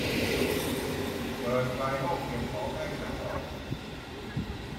เปิดไฟห้องเก็บของให้ฉันหน่อย